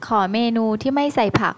ขอเมนูที่ไม่ใส่ผัก